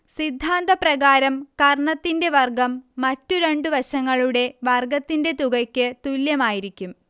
സിദ്ധാന്തപ്രകാരം കർണ്ണത്തിന്റെ വർഗ്ഗം മറ്റുരണ്ടുവശങ്ങളുടെ വർഗ്ഗത്തിന്റെ തുകയ്ക്ക് തുല്യമായിരിക്കും